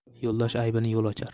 yo'ldosh aybini yo'l ochar